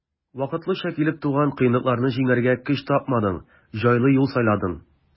Вакытлыча килеп туган кыенлыкларны җиңәргә көч тапмадың, җайлы юл сайладың.